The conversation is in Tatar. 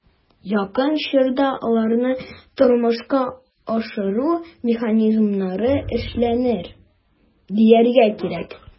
Якын чорда аларны тормышка ашыру механизмнары эшләнер, дияргә кирәк.